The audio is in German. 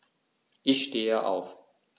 Ich stehe auf.